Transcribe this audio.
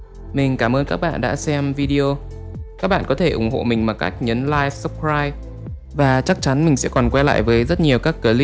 mình cảm ơn các bạn đã xem video các bạn có thể ủng hộ mình bằng cách nhấn like subcribe và chắc chắn mình sẽ còn quay lại với rất nhiều clip chia sẻ bí quyết